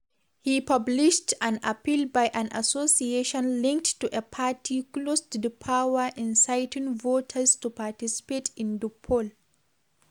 He published an appeal by an association linked to a party close to the power inciting voters to participate in the poll.